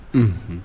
Unhun